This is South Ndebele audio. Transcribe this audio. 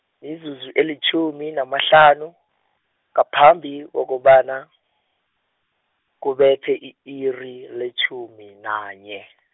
mizuzu elitjhumi namahlanu , ngaphambi kokobana, kubethe i-iri letjhumi nanye .